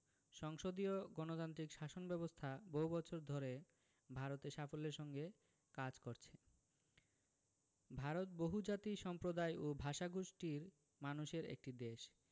সংসদীয় গণতান্ত্রিক শাসন ব্যাবস্থা বহু বছর ধরে ভারতে সাফল্যের সঙ্গে কাজ করছে ভারত বহুজাতি সম্প্রদায় ও ভাষাগোষ্ঠীর মানুষের একটি দেশ